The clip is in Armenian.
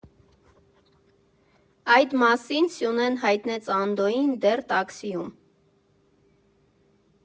Այդ մասին Սյունեն հայտնեց Անդոյին դեռ տաքսիում։